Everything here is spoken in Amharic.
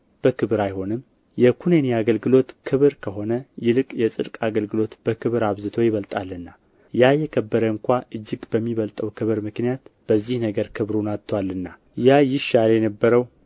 በክብር አይሆንም የኵነኔ አገልግሎት ክብር ከሆነ ይልቅ የጽድቅ አገልግሎት በክብር አብዝቶ ይበልጣልና ያ የከበረ እንኳ እጅግ በሚበልጠው ክብር ምክንያት በዚህ ነገር ክብሩን አጥቶአልና ያ ይሻር የነበረው